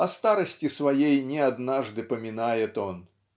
О старости своей не однажды поминает он